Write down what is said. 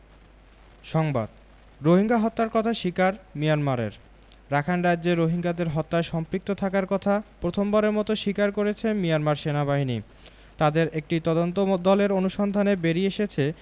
সংবাদ রোহিঙ্গা হত্যার কথা স্বীকার মিয়ানমারের রাখাইন রাজ্যে রোহিঙ্গাদের হত্যায় সম্পৃক্ত থাকার কথা প্রথমবারের মতো স্বীকার করেছে মিয়ানমার সেনাবাহিনী তাদের একটি তদন্তদলের অনুসন্ধানে বেরিয়ে এসেছে